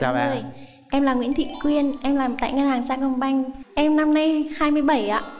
người em là nguyễn thị quyên em làm tại ngân hàng sa com banh em năm nay hai mươi bảy ạ